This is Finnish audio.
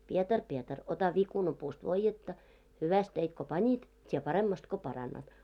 Pietari Pietari ota viikunapuusta voidetta hyvästi teit kun panit tee paremmasti kun parannat